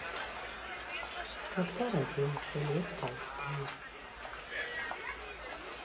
когда родился лев толстой